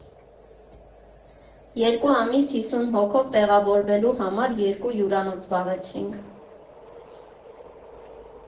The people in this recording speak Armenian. Երկու ամիս հիսուն հոգով տեղավորվելու համար երկու հյուրանոց զբաղեցրինք։